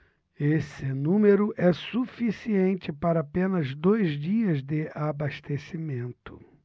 esse número é suficiente para apenas dois dias de abastecimento